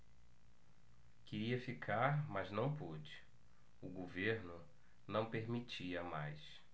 queria ficar mas não pude o governo não permitia mais